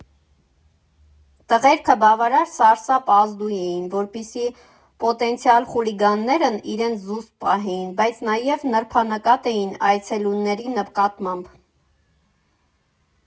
Տղերքը բավարար սարսափազդու էին, որպեսզի պոտենցիալ խուլիգաններն իրենց զուսպ պահեին, բայց նաև նրբանկատ էին այցելուների նկատմամբ։